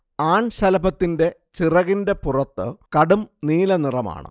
ആൺശലഭത്തിന്റെ ചിറകിന്റെ പുറത്ത് കടും നീലനിറമാണ്